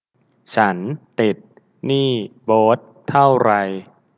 ฉันติดหนี้โบ๊ทเท่าไร